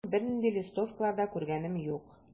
Белмим, бернинди листовкалар да күргәнем юк.